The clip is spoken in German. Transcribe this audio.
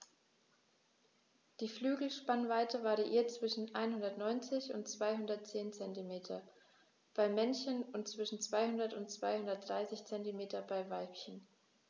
Die Flügelspannweite variiert zwischen 190 und 210 cm beim Männchen und zwischen 200 und 230 cm beim Weibchen.